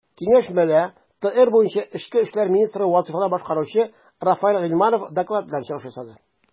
Киңәшмәдә ТР буенча эчке эшләр министры вазыйфаларын башкаручы Рафаэль Гыйльманов доклад белән чыгыш ясады.